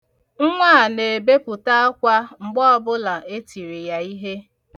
Nwa a na-ebepụ̀ta akwa mgbe ọbụla etiri ya ihe.